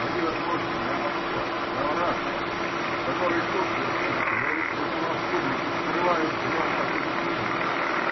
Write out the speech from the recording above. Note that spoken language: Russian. Они возможны для актера, для оратора, которые тут же на месте, наэлектризовав публику, срывают гром аплодисментов.